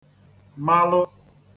malụ